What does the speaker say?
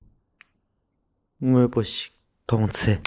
དངོས པོ ཞིག མཐོང ཚེ